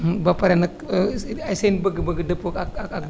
ba pare nag seen i bëgg bëgg dëppoo ak ak ak